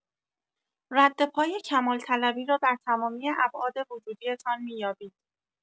رد پای کمال‌طلبی را در تمامی ابعاد وجودی‌تان می‌یابید.